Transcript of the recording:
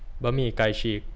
บะหมี่ไก่ฉีก